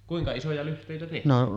kuinka isoja lyhteitä tehtiin